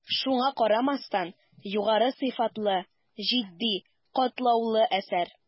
Шуңа карамастан, югары сыйфатлы, житди, катлаулы әсәр.